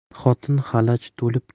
xotin xalaj to'lib